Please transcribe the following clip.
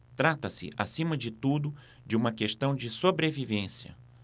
trata-se acima de tudo de uma questão de sobrevivência